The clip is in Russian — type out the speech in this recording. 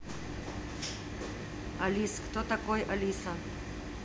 алис кто такой алиса